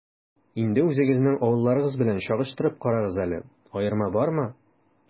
Инде үзегезнең авылларыгыз белән чагыштырып карагыз әле, аерма бармы?